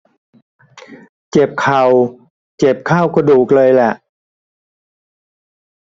เจ็บเข่าเจ็บเข้ากระดูกเลยหล่ะ